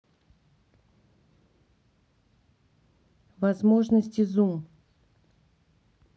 возможности зум